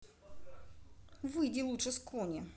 выйди лучше с кони